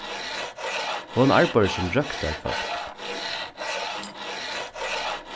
hon arbeiðir sum røktarfólk